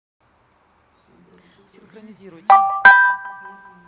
синхронизируйте